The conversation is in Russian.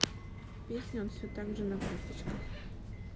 песня он все так же на корточках